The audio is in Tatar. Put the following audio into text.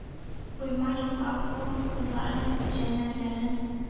Куйма юкка хур кызларың, җәннәтләрең,